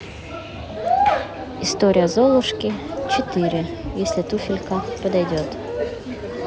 история золушки четыре если туфелька подойдет